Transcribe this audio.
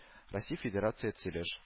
Россия Федирация төзелеш